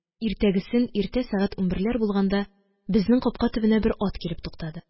Иртәгесен иртә сәгать унберләр булганда безнең капка төбенә бер ат килеп туктады.